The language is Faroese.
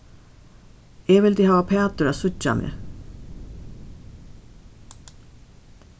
eg vildi hava pætur at síggja meg